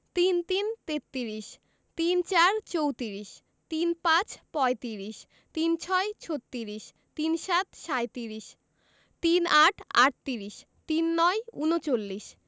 ৩৩ - তেত্রিশ ৩৪ - চৌত্রিশ ৩৫ - পঁয়ত্রিশ ৩৬ - ছত্রিশ ৩৭ - সাঁইত্রিশ ৩৮ - আটত্রিশ ৩৯ - ঊনচল্লিশ